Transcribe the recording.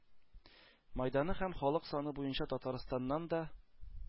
Мәйданы һәм халык саны буенча Татарстаннан да